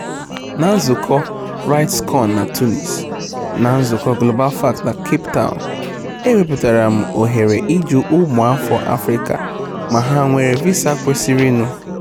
Na nzụkọ RightsCon na Tunis, na nzụkọ GlobalFact na Cape Town, ewepụtara m ohere ịjụ ụmụafọ Afrịka ma ha nwere visa kwesịrịnụ.